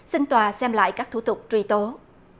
xin tòa xem lại các thủ tục truy tố